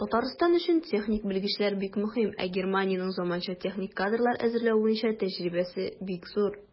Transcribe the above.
Татарстан өчен техник белгечлекләр бик мөһим, ә Германиянең заманча техник кадрлар әзерләү буенча тәҗрибәсе бик зур.